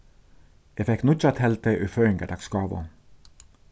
eg fekk nýggja teldu í føðingardagsgávu